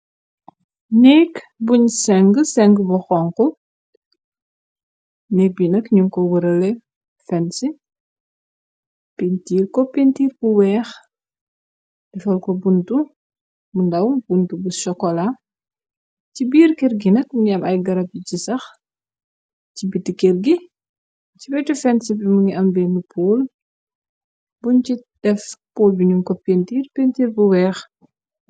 Neek buñ senge senge bu xonku neek bi nak ñu ko wërale fense pintiir ko pintiir bu weex defal ko buntu bu ndaw buntu bu sukola ci biir keer gi nak nuge am ay garab yu ci sax ci biti keer gi ci wetu fense bi mu ngi am bene pol buñ ci def pol bi nu ko pintiir pintiir bu weex.